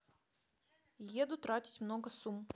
еду тратить много сумм